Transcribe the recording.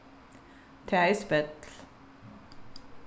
tað er spell